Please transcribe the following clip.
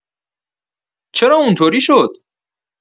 چرا اونطوری شد؟